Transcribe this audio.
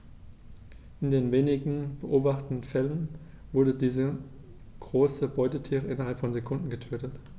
In den wenigen beobachteten Fällen wurden diese großen Beutetiere innerhalb von Sekunden getötet.